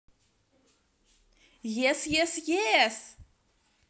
yes yes yes